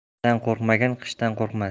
ishdan qo'rqmagan qishdan qo'rqmas